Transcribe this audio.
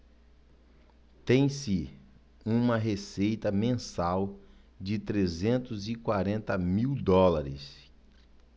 tem-se uma receita mensal de trezentos e quarenta mil dólares